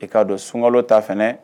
I k'a don sunkalo ta fɛ